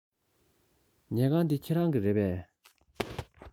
ཉལ ཁང འདི ཁྱེད རང གི རེད པས